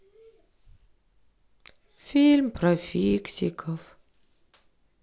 фильм про фиксиков